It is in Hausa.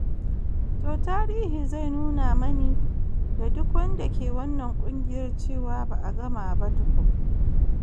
Toh Tarihi zai nuna mani da duk wanda ke wannan kungiyar cewa ba’a gama ba tukun.